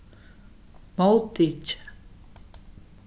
móttikið